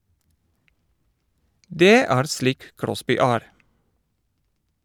- Det er slik Crosby er.